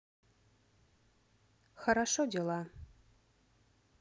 хорошо дела